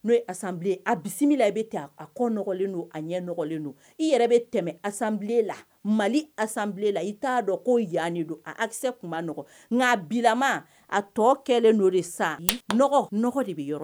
N'o ye asanbilenle a bisimila i bɛ a kɔlen don a ɲɛlen don i yɛrɛ bɛ tɛmɛ asanbilen la mali asanla i t'a dɔn ko yanani don ase tun b' nɔgɔ n nka bilama a tɔ kɛlen don de san de bɛ yɔrɔ